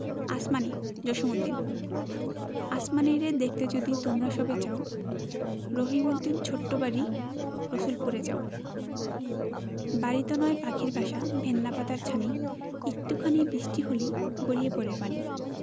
আসমানী জসিমউদ্দিন আসমানীরে দেখতে যদি তোমরা সবে চাও রহিমউদ্দিন ছোট্ট বাড়ি রসুলপুরে যাও বাড়িতো নয় পাখির বাসা ভেন্না পাতার ছানি একটু খানি বৃষ্টি হলেই গড়িয়ে পড়ে পানি